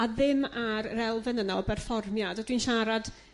A ddim ar yf elfen yna o berfformiad ydw i'n siarad